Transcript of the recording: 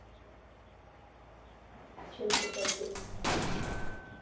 чем ты гадливый